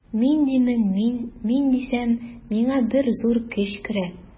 Мин димен мин, мин дисәм, миңа бер зур көч керә.